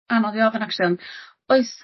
anodd i ofyn actually ond oes